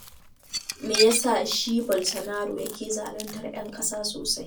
Me ya sa shi [Bolsonaro] yake zaluntar 'yan ƙasa sosai?